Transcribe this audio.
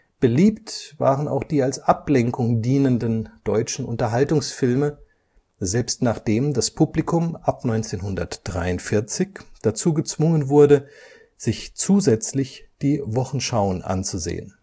Beliebt waren auch die als Ablenkung dienenden deutschen Unterhaltungsfilme, selbst nachdem das Publikum ab 1943 dazu gezwungen wurde, sich zusätzlich die Wochenschauen anzusehen